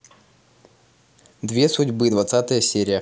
две судьбы двадцатая серия